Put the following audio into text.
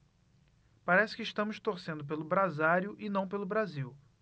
parece que estamos torcendo pelo brasário e não pelo brasil